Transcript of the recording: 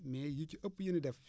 mais yi ci ëpp yu ñuy def